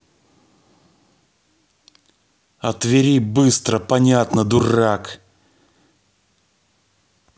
о твери быстро понятно дурак